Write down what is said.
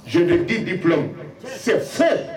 Zdu di di tulo fɛn